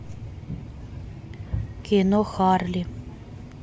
кино харли